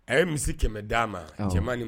A ye misi 100 da ma cɛman ni muso man.